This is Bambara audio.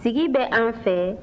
sigi bɛ an fɛ